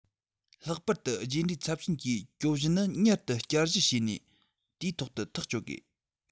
ལྷག པར དུ རྗེས འབྲས ཚབས ཆེན གྱི གྱོད གཞི ནི མྱུར དུ བསྐྱར ཞིབ བྱས ནས དུས ཐོག ཏུ ཐག གཅོད དགོས